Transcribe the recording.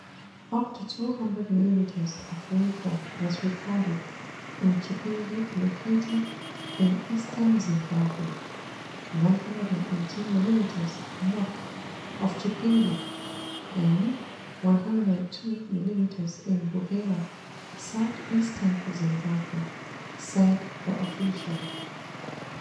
“Up to 200 millimeters of rainfall was recorded in Chipinge [located in eastern Zimbabwe], 118 millimeters north of Chipinge, and 102 millimeters in Buhera [southeastern Zimbabwe],” said the official.